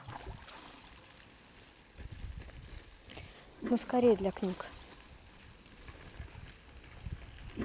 ну скорей для книг